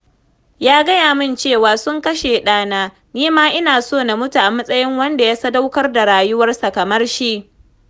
Ya gaya min cewa: ''Sun kashe ɗana, ni ma ina so na mutu a matsayin wanda ya sadaukar da rayuwarsa kamar shi.